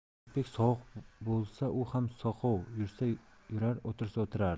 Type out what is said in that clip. asadbek soqov bo'lsa u ham soqov yursa yurar o'tirsa o'tirardi